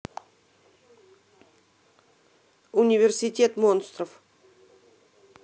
университет монстров